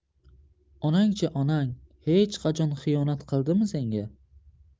onang chi onang hech qachon xiyonat qildimi senga